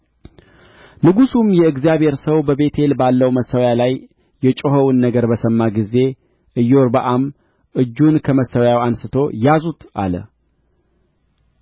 ንጉሡም የእግዚአብሔር ሰው በቤቴል ባለው መሠዊያ ላይ የጮኸውን ነገር በሰማ ጊዜ ኢዮርብዓም እጁን ከመሠዊያው አንሥቶ ያዙት አለ